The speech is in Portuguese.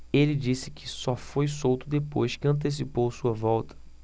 ele disse que só foi solto depois que antecipou sua volta